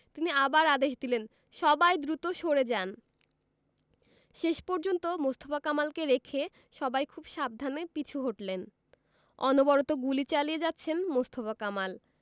তিনি আবার আদেশ দিলেন সবাই দ্রুত সরে যান শেষ পর্যন্ত মোস্তফা কামালকে রেখে সবাই খুব সাবধানে পিছু হটলেন অনবরত গুলি চালিয়ে যাচ্ছেন মোস্তফা কামাল